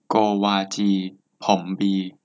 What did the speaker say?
โกวาจีผมบี